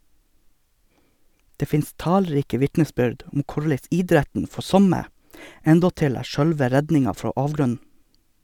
Det finst talrike vitnesbyrd om korleis idretten for somme endåtil er sjølve redninga frå avgrunnen.